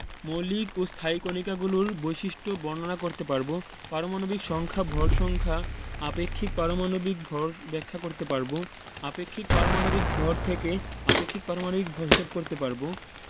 মৌলিক ও স্থায়ী কণিকাগুলোর বৈশিষ্ট্য বর্ণনা করতে পারব পারমাণবিক সংখ্যা ভর সংখ্যা আপেক্ষিক পারমাণবিক ভর ব্যাখ্যা করতে পারব আপেক্ষিক পারমাণবিক ভর থেকে আপেক্ষিক আণবিক ভর হিসাব করতে পারব